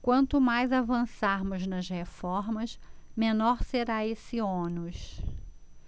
quanto mais avançarmos nas reformas menor será esse ônus